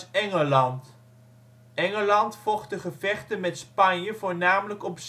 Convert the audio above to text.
Engeland. Engeland vocht de gevechten met Spanje voornamelijk op